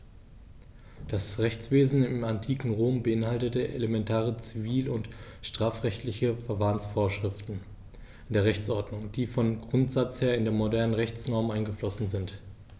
Das Rechtswesen im antiken Rom beinhaltete elementare zivil- und strafrechtliche Verfahrensvorschriften in der Rechtsordnung, die vom Grundsatz her in die modernen Rechtsnormen eingeflossen sind.